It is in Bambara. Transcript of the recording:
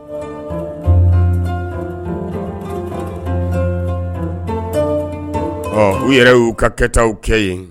Ɔ u yɛrɛ y uu ka kɛtaw kɛ yen